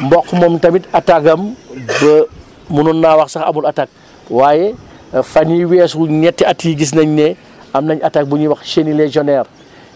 mboq moom tamit attaque attaque am ba munoon naa wax ni sax amul attaque waaye fan yii weesu ñetti at yii gis nañ ne am nañ attaque bu ñuy wax chenille légionnaire